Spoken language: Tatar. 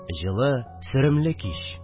Җылы, сөремле кич